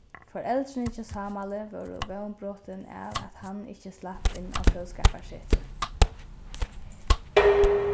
foreldrini hjá sámali vóru vónbrotin av at hann ikki slapp inn á fróðskaparsetrið